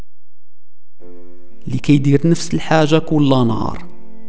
لقيت نفس الحاجه كلنار